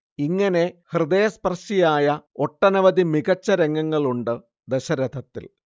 ഇങ്ങനെ ഹൃദയസ്പർശിയായ ഒട്ടനവധി മികച്ച രംഗങ്ങളുണ്ട് ദശരഥത്തിൽ